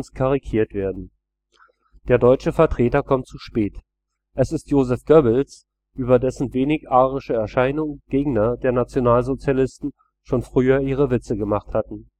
karikiert werden. Der deutsche Vertreter kommt zu spät – es ist Joseph Goebbels, über dessen wenig arische Erscheinung Gegner der Nationalsozialisten schon früher ihre Witze gemacht hatten